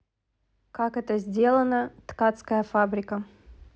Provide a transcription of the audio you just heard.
как это сделано ткацкая фабрика